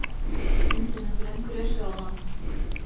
Мин сезнең белән көрәшә алам.